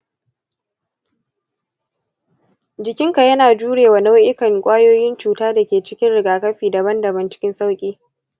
jikinka yana jure wa nau'ikan kwayoyin cuta da ke cikin rigakafi daban-daban cikin sauƙi.